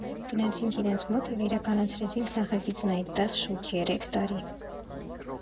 Գնացինք իրենց մոտ և իրականացրեցինք նախագիծն այդտեղ շուրջ երեք տարի։